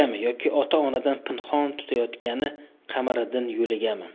yoki ota onadan pinxon tutayotgani kamariddin yo'ligami